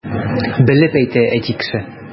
Белеп әйтә әти кеше!